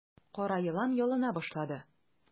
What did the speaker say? Кара елан ялына башлады.